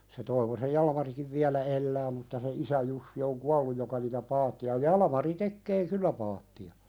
se Toivosen Jalmarikin vielä elää mutta se isä Jussi on kuollut joka niitä paatteja Jalmari tekee kyllä paatteja